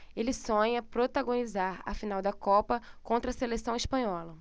ele sonha protagonizar a final da copa contra a seleção espanhola